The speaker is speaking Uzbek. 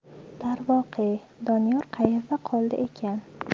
darvoqe doniyor qayerda qoldi ekan